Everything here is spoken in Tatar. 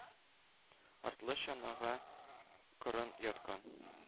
Артлы чанага кырын яткан,